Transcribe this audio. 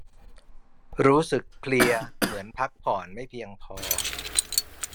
รู้สึกเพลียเหมือนพักผ่อนไม่เพียงพอ